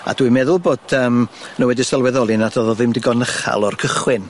A dwi'n meddwl bod yym n'w wedi sylweddoli nad o'dd o ddim digon ychal o'r cychwyn.